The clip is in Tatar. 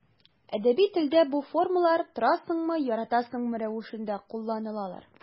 Әдәби телдә бу формалар торасыңмы, яратасыңмы рәвешендә кулланылалар.